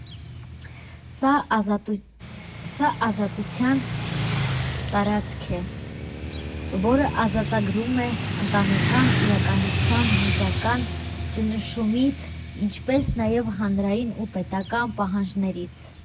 Սա ազատության տարածք է, որն ազատագրում է ընտանեկան իրականության հուզական ճնշումից, ինչպես նաև հանրային ու պետական պահանջներից։